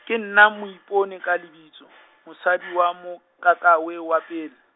ke nna Moiponi ka lebitso, mosadi wa Mokakawe wa pele.